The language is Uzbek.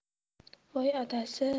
voy adasi